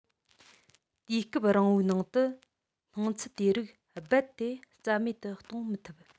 དུས སྐབས རིང པོའི ནང དུ སྣང ཚུལ དེ རིགས རྦད དེ རྩ མེད དུ གཏོང མི ཐུབ